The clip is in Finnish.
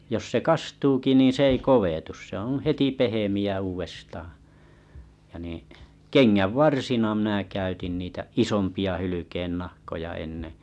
jos se kastuukin niin se ei kovetu se on heti pehmeä uudestaan ja niin kengänvarsina minä käytin niitä isompia hylkeennahkoja ennen